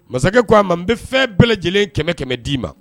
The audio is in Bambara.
Masakɛ k ko a ma n bɛ fɛn bɛɛ lajɛlen kɛmɛ kɛmɛ d'i ma